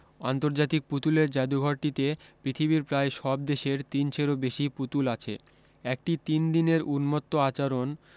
আন্তর্জাতিক পুতুলের জাদুঘরটিতে পৃথিবীর প্রায় সব দেশের তিনশেরও বেশী পুতুল আছে একটি তিন দিনের উন্মত্ত আচরণ